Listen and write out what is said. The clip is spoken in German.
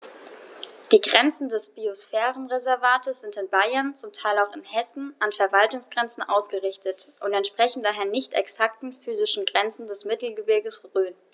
Die Grenzen des Biosphärenreservates sind in Bayern, zum Teil auch in Hessen, an Verwaltungsgrenzen ausgerichtet und entsprechen daher nicht exakten physischen Grenzen des Mittelgebirges Rhön.